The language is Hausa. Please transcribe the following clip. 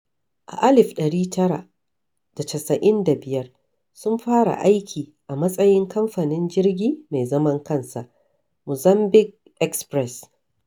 A 1995, sun fara aiki a matsayin kamfanin jirgi mai zaman kansa, Mozambiƙue Eɗpress.